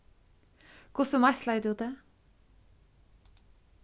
hvussu meiðslaði tú teg